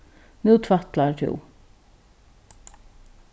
nú tvætlar tú